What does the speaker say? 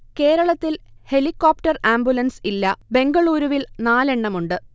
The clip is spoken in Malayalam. കേരളത്തിൽ ഹെലികോപ്റ്റർ ആംബുലൻസ് ഇല്ല ബെംഗളൂരുവിൽ നാലെണ്ണമുണ്ട്